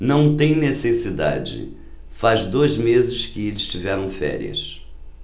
não tem necessidade faz dois meses que eles tiveram férias